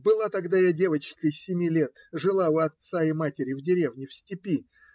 Была тогда я девочкой семи лет, жила у отца и матери в деревне, в степи.